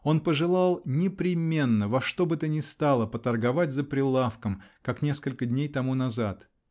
он пожелал непременно, во что бы то ни стало, поторговать за прилавком, как несколько дней тому назад.